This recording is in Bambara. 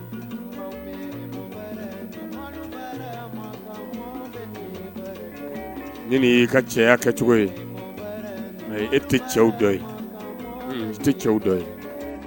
Ni'i ka cɛya kɛcogo ye mɛ e tɛ cɛw dɔn ye e tɛ cɛw dɔ ye